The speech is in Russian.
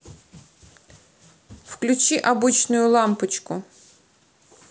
включи обычную лампочку